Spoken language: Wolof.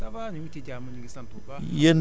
ça va ñu ngi si jàmm ñu ngi sant bu baax